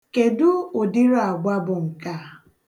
Kedụ ụdịrị agwa bụ nke a?